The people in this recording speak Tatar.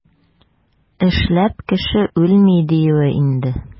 Эшләп кеше үлми, диюе инде.